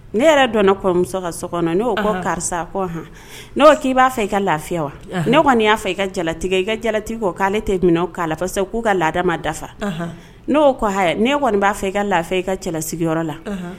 Ne yɛrɛ dɔn ne kɔmuso ka so kɔnɔ ne' kɔ karisaɔn n' k'i b'a fɛ i ka lafiya wa ne kɔni y'a fɛ katigɛ i ka jalati kɔ k'ale tɛ minɛ k'a la k'u ka lada ma dafa n'o ko nee kɔni b'a fɛ i ka lafi i ka cɛla sigiyɔrɔ la